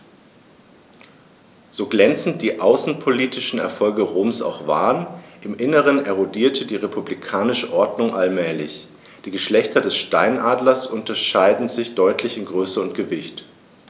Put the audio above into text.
So glänzend die außenpolitischen Erfolge Roms auch waren: Im Inneren erodierte die republikanische Ordnung allmählich. Die Geschlechter des Steinadlers unterscheiden sich deutlich in Größe und Gewicht.